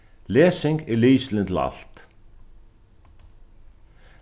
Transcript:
lesing er lykilin til alt